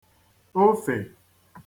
ofè